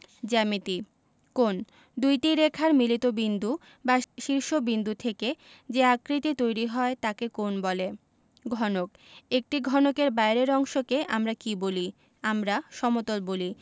জ্যামিতিঃ কোণঃ দুইটি রেখার মিলিত বিন্দু বা শীর্ষ বিন্দু থেকে যে আকৃতি তৈরি হয় তাকে কোণ বলে ঘনকঃ একটি ঘনকের বাইরের অংশকে আমরা কী বলি আমরা সমতল বলি